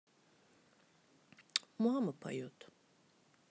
мама поет